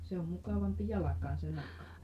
se on mukavampi jalkaan se nahkapohja